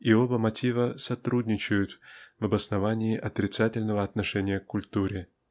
и оба мотива сотрудничают в обосновании отрицательного отношения к культуре